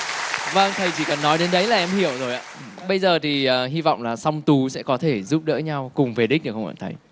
vâng thầy chỉ cần nói đến đấy là em hiểu rồi ạ bây giờ thì hy vọng là song tú sẽ có thể giúp đỡ nhau cùng về đích được không hả thầy